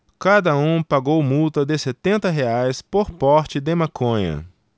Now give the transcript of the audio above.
cada um pagou multa de setenta reais por porte de maconha